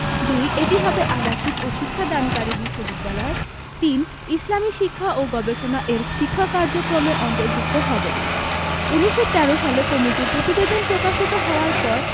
২. এটি হবে আবাসিক ও শিক্ষাদানকারী বিশ্ববিদ্যালয় ৩. ইসলামী শিক্ষা ও গবেষণা এর শিক্ষা কার্যক্রমের অন্তর্ভুক্ত হবে ১৯১৩ সালে কমিটির প্রতিবেদন প্রকাশিত হওয়ার পর